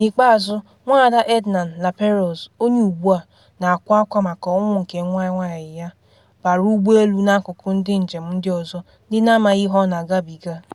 N’ikpeazụ Nwada Ednan-Laperouse, onye ugbu a na akwa akwa maka ọnwụ nke nwa nwanyị ya, bara ụgbọ elu n’akụkụ ndị njem ndị ọzọ - ndị na amaghị ihe ọ na agabiga.